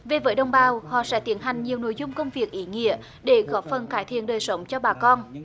về với đồng bào họ sẽ tiến hành nhiều nội dung công việc ý nghĩa để góp phần cải thiện đời sống cho bà con